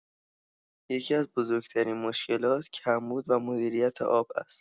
یکی‌از بزرگ‌ترین مشکلات، کمبود و مدیریت آب است.